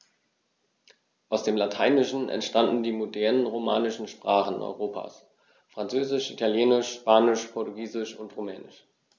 Aus dem Lateinischen entstanden die modernen „romanischen“ Sprachen Europas: Französisch, Italienisch, Spanisch, Portugiesisch und Rumänisch.